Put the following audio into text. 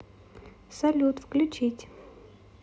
салют включить